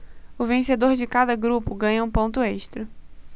o vencedor de cada grupo ganha um ponto extra